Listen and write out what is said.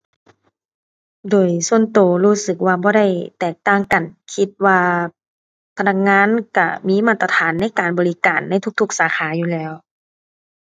โดยส่วนตัวรู้สึกว่าบ่ได้แตกต่างกัน คิดว่าพนักงานตัวมีมาตรฐานในการบริการในทุกทุกสาขาอยู่แล้ว